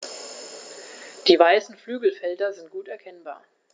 Die weißen Flügelfelder sind gut erkennbar.